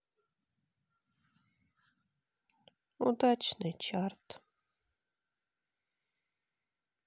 удачный чарт